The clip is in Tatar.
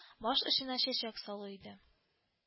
Баш очына чәчәк салу иде